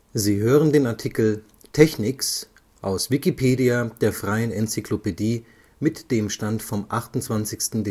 Sie hören den Artikel Technics, aus Wikipedia, der freien Enzyklopädie. Mit dem Stand vom Der